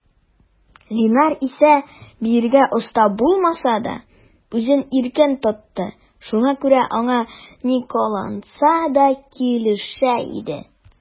Линар исә, биергә оста булмаса да, үзен иркен тотты, шуңа күрә аңа ни кыланса да килешә иде.